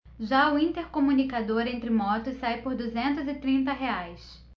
já o intercomunicador entre motos sai por duzentos e trinta reais